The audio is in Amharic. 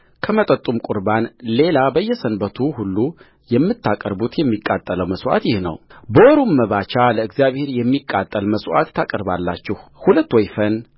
ከመጠጡም ቍርባን ሌላ በየሰንበቱ ሁሉ የምታቀርቡት የሚቃጠለው መሥዋዕት ይህ ነውበወሩም መባቻ ለእግዚአብሔር የሚቃጠል መሥዋዕት ታቀርባላችሁ ሁለት ወይፈን